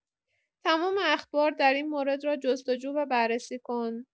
تمام اخبار در این مورد را جست‌وجو و بررسی کن.